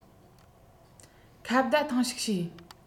ཁ བརྡ ཐེངས ཤིག བྱས